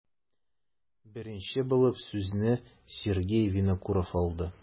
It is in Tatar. Беренче булып сүзне Сергей Винокуров алды.